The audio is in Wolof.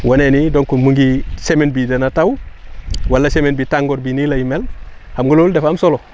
wane ni donc mu ngi semaine bii dana taw wala semaine bii tàngoor bi nii lay mel xam nga loolu dafa am solo